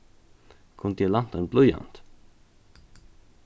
kundi eg lænt ein blýant